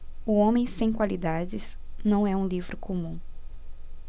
o homem sem qualidades não é um livro comum